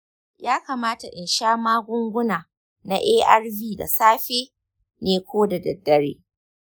ya kamata in sha magungunana na arv da safe ne ko da dare?